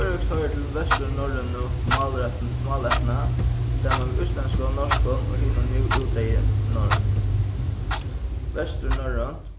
føroyskt hoyrir til vesturnorrønu málættina saman við íslendskum norskum og hinum nú útdeyði norn vesturnorrønt